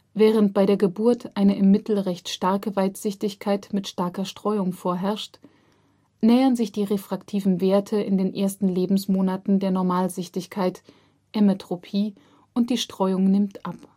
Während bei der Geburt eine im Mittel recht starke Weitsichtigkeit mit starker Streuung vorherrscht, nähern sich die refraktiven Werte in den ersten Lebensmonaten der Normalsichtigkeit (Emmetropie) und die Streuung nimmt ab